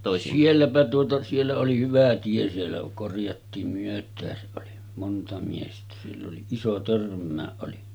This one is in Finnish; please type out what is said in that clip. sielläpä tuota siellä oli hyvä tie siellä korjattiin myötäänsä oli monta miestä sillä oli iso törmäkin oli